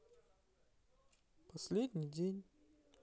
последний день